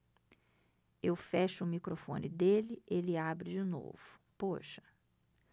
eu fecho o microfone dele ele abre de novo poxa